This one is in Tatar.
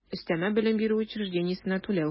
Өстәмә белем бирү учреждениесенә түләү